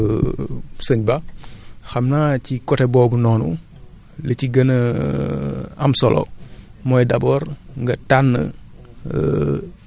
jërëjëf sëñ Ba xam naa ci côté boobu noonu li ci gën a am solo mooy d' abord nga tànn